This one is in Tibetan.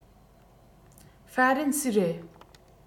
ཧྥ རན སིའི རེད